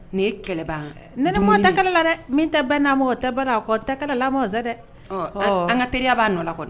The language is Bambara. Ni ye kɛlɛba ne ni mɔ tɛ kala la dɛ min tɛ n'a ma o tɛ tɛ kalala ma dɛ an ka teri b'a nɔ kɔnɔ